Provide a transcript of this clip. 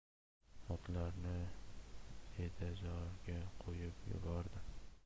otlarni bedazorga qo'yib yubordim